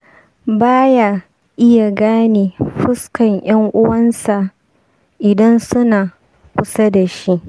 baya iya gane fuskan yan'uwansa idan suna kusa dashi.